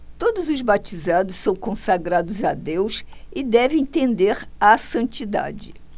todos os batizados são consagrados a deus e devem tender à santidade